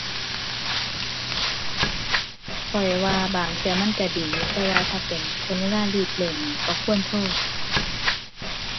ข้อยว่าบางเที่ยมันก็ดีอยู่ แต่ว่าถ้าเป็นช่วงเวลารีบเร่งนี่ บ่ควรโทร